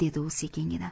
dedi u sekingina